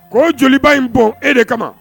Ko joli in bɔn e de kama